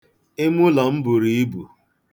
Imụlọ m buru ibu.